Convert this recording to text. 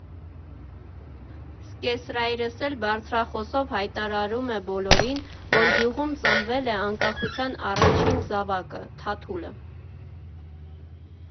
Սկեսրայրս էլ բարձրախոսով հայտարարում է բոլորին, որ գյուղում ծնվել է անկախության առաջին զավակը՝ Թաթուլը։